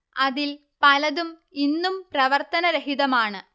അതിൽ പലതും ഇന്നും പ്രവർത്തനനിരതമാണ്